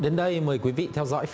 đến đây mời quý vị theo dõi